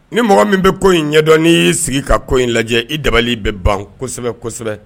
Ni mɔgɔ min bɛ ko in ɲɛdɔn n'i y'i sigi ka ko in lajɛ i dabali bɛ ban kosɛbɛ kosɛbɛ